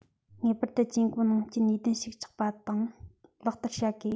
ངེས པར དུ ཇུས འགོད ནང རྐྱེན ནུས ལྡན ཞིག ཆགས པ དང ལག བསྟར བྱ དགོས